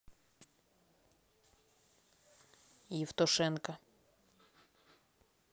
евтушенко